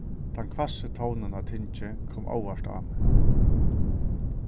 tann hvassi tónin á tingi kom óvart á meg